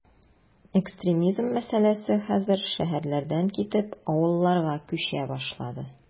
Экстремизм мәсьәләсе хәзер шәһәрләрдән китеп, авылларга “күчә” башлады.